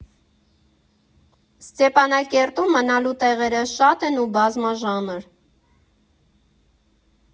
Ստեփանակերտում մնալու տեղերը շատ են ու բազմաժանր։